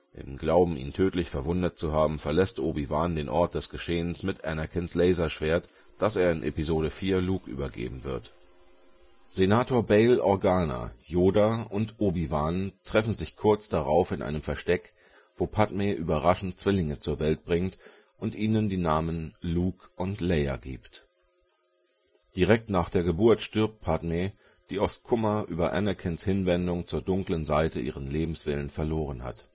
Im Glauben, ihn tödlich verwundet zu haben, verlässt Obi-Wan den Ort des Geschehens mit Anakins Laserschwert, das er in Episode IV Luke übergeben wird. Senator Bail Organa, Yoda und Obi-Wan treffen sich kurz darauf in einem Versteck, wo Padmé überraschend Zwillinge zur Welt bringt und ihnen die Namen Luke und Leia gibt. Direkt nach der Geburt stirbt Padmé, die aus Kummer über Anakins Hinwendung zur dunklen Seite ihren Lebenswillen verloren hat